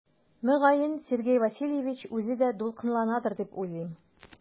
Мөгаен Сергей Васильевич үзе дә дулкынланадыр дип уйлыйм.